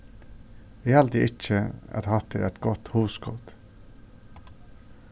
eg haldi ikki at hatta er eitt gott hugskot